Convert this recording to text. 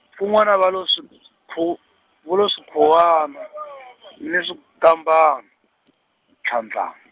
kun'wana va lo swikhu-, vo lo swikhuwana, ni swikambana, tlhandla.